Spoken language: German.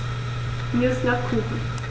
Mir ist nach Kuchen.